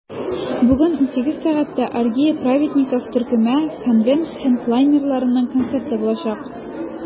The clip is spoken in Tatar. Бүген 18 сәгатьтә "Оргии праведников" төркеме - конвент хедлайнерларының концерты булачак.